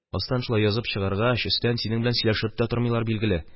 Астан шулай язып чыгаргач, өстә синең белән сөйләшеп тә тормыйлар, билгеле.